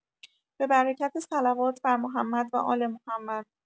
به برکت صلوات بر محمد وآل محمد